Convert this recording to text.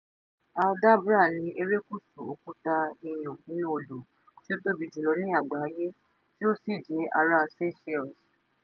Aldabra ni erékùṣù òkúta iyùn inú odò tí ó tóbi jùlọ ní àgbáyé tí ó sì jẹ́ ara Seychelles.